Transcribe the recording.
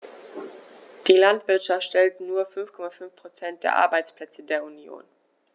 Die Landwirtschaft stellt nur 5,5 % der Arbeitsplätze der Union.